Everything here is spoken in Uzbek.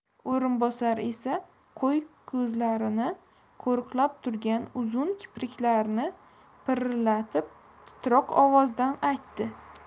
o'rinbosar esa qo'y ko'zlarini qo'riqlab turgan uzun kipriklarini pirillatib titroq ovozdan aytdi